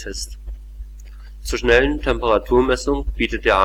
schnellen Temperaturmessung bietet der